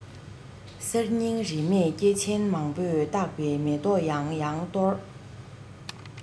གསར རྙིང རིས མེད སྐྱེས ཆེན མང པོས བསྔགས པའི མེ ཏོག ཡང ཡང གཏོར